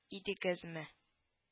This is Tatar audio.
Идегезме